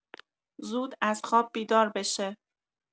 زود از خواب بیدار بشه